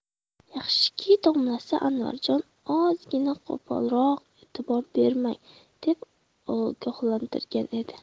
yaxshiki domlasi anvarjon ozgina qo'polroq e'tibor bermang deb ogohlantirgan edi